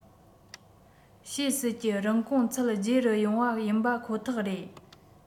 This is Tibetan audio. བྱེད སྲིད ཀྱི རིན གོང ཚད བརྗེ རུ ཡོང བ ཡིན པ ཁོ ཐག རེད